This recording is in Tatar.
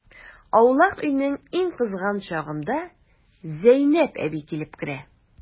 Аулак өйнең иң кызган чагында Зәйнәп әби килеп керә.